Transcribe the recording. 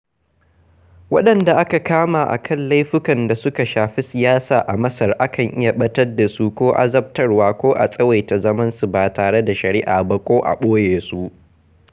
Waɗanda aka kama a kan laifukan da suka shafi siyasa a Masar a kan iya ɓatar da su ko azabtarwa ko a tsawaita zamansu ba tare da shari'a ba ko a ɓoye su.